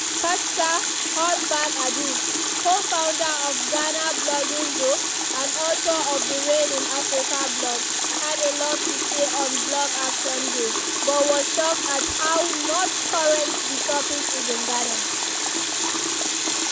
Kajsa Hallberg Adu, co-founder of Ghana Blogging Group and author of the Rain In Africa blog, had a lot to say on Blog Action Day, but was shocked at “how not current the topic is in Ghana”.